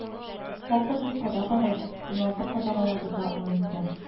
Хакы дүрт кадак арыш, уналты кадак алабута оны икән